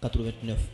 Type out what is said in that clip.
89